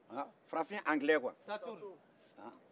farafin angilɛ kuwa